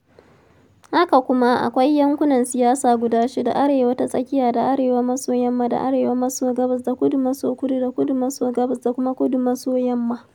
Haka kuma, akwai yankunan siyasa guda shida: Arewa ta Tsakiya da Arewa -Maso-Yamma da Arewa-Maso-Gabas da Kudu-Maso-Kudu da Kudu-Maso-Gabas da kuma kudu-Maso-Yamma.